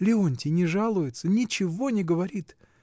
Леонтий не жалуется, ничего не говорит.